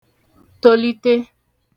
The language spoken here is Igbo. tolite